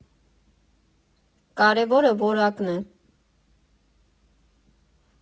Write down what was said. Կարևորը որակն է։